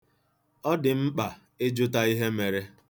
Ọ dị mkpa ịjụta ihe mere.